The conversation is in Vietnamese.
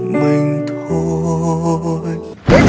mình thôi